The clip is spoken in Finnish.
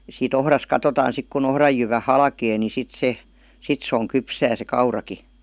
siitä ohrasta katsotaan sitten kun ohran jyvä halkeaa niin sitten se sitten se on kypsää se kaurakin